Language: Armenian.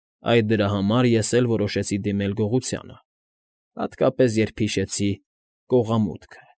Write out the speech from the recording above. Այ, դրա համար ես էլ որոշեցի դիմել գողությանը, հատկապես, երբ հիշեցի կողամուտքը։